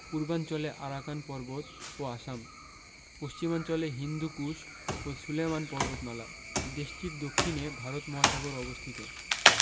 পূর্বাঞ্চলে আরাকান পর্বত ও আসাম পশ্চিমাঞ্চলে হিন্দুকুশ ও সুলেমান পর্বতমালা দেশটির দক্ষিণে ভারত মহাসাগর অবস্থিত